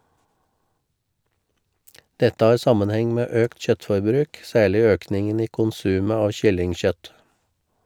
Dette har sammenheng med økt kjøttforbruk, særlig økningen i konsumet av kyllingkjøtt.